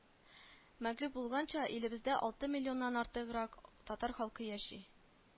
Мәгълүм булганча, илебездә алты миллионнан артыграк татар халкы яши